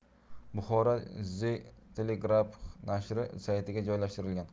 buxoro the telegraph nashri saytiga joylashtirilgan